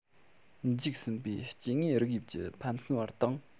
འཇིག ཟིན པའི སྐྱེ དངོས རིགས དབྱིབས ཀྱི ཕན ཚུན བར དང